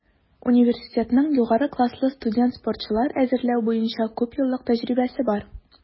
Университетның югары класслы студент-спортчылар әзерләү буенча күпьеллык тәҗрибәсе бар.